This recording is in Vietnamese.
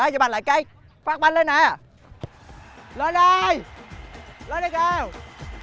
đá trái banh lại cái phát banh lên nè lên đi lên đi kiều